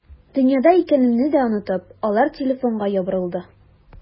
Дөньяда икәнемне дә онытып, алар телефонга ябырылды.